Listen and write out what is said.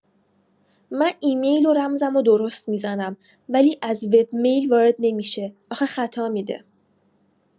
من ایمیل و رمزمو درست می‌زنم ولی از وب میل وارد نمی‌شه آخه خطا می‌ده